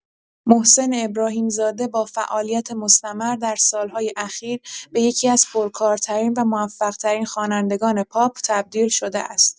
محسن ابراهیم‌زاده با فعالیت مستمر در سال‌های اخیر به یکی‌از پرکارترین و موفق‌ترین خوانندگان پاپ تبدیل شده است.